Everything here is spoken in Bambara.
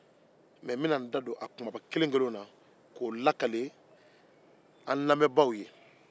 mɛ n bɛna n da don kunbaba kelen kelenw k'o lakali an lamɛnbagaw ye